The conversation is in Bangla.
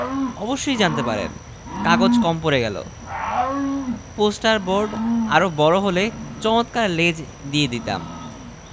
ঐ দিকেও লক্ষ রাখবেন এ দিকে কুমীরের খবর হল ঢাকা চিড়িয়াখানা কর্তৃপক্ষ কুণীর ভাড়া দিতে রাজী নন আমি অদ্য ভােরে খুলনা রওনা হচ্ছি সরাসরি কুমীর ধরা ছাড়া অন্য পথ দেখছি না